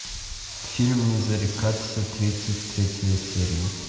фильм не зарекайся тридцать третья серия